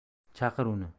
chaqir uni